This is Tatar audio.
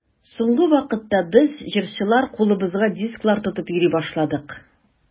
Соңгы вакытта без, җырчылар, кулыбызга дисклар тотып йөри башладык.